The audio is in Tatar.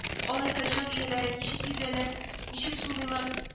Алайса, җан ияләре ничек йөзәләр, ничек сулыйлар